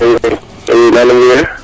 i nam fio ye